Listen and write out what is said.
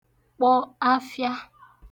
kpọ afịa